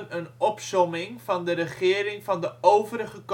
een opsomming van de regering van de overige